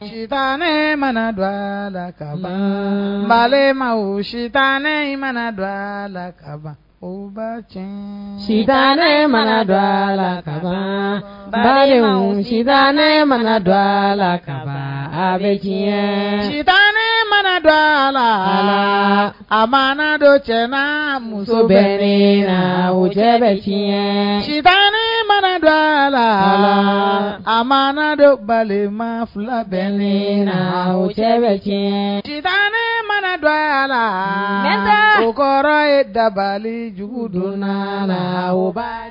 Si ne mana dɔ a la kalan ba sita mana dɔ a la ka o ba cɛ si ne mana dɔ a la bali si ne mana dɔ a la kalan bɛ jɛgɛ sita ne mana dɔ a la a ma dɔ cɛ muso bɛ la wo cɛ bɛɲɛ ne mana dɔ a la a mamadu balima fila bɛ le la cɛ bɛ jɛ tan ne mana dɔ a la denkɔrɔ kɔrɔ ye dabali jugu donna la